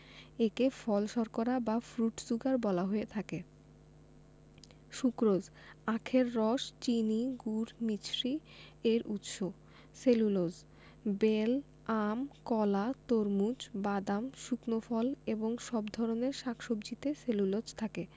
একে ফল শর্করা বা ফ্রুট শুগার বলা হয়ে থাকে সুক্রোজ আখের রস চিনি গুড় মিছরি এর উৎস সেলুলোজ বেল আম কলা তরমুজ বাদাম শুকনো ফল এবং সব ধরনের শাক সবজিতে সেলুলোজ থাকে